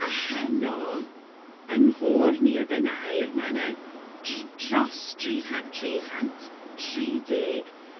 a heno, yng nghôr Nia Ben Aur, ma' 'na dr- dros dri chant, tri chant tri deg.